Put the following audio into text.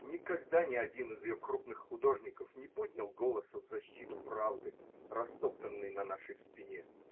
Никогда ни один из ее крупных художников не поднял голоса в защиту правды, растоптанной на нашей спине.